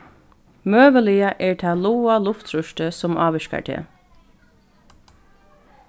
møguliga er tað lága lufttrýstið sum ávirkar teg